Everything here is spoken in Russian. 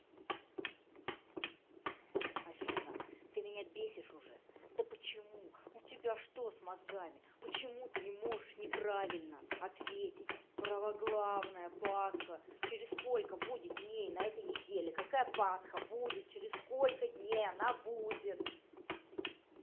афина ты меня бесишь уже да почему у тебя что с мозгами почему ты не можешь неправильно ответить правоглавное пасха через сколько будет дней на этой неделе какая пасха будет через сколько дней она будет